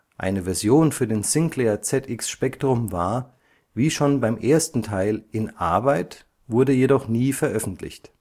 Eine Version für den Sinclair ZX Spectrum war, wie schon beim ersten Teil in Arbeit, wurde jedoch nie veröffentlicht